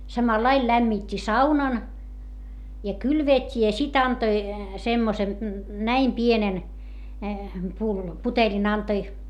samalla lailla lämmitti saunan ja kylvetti ja sitten antoi semmoisen näin pienen - putelin antoi